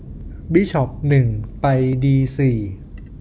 บิชอปหนึ่งไปดีสี่